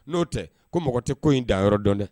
N'o tɛ ko mɔgɔ tɛ ko in da yɔrɔ dɔn dɛ